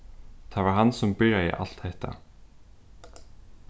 tað var hann sum byrjaði alt hetta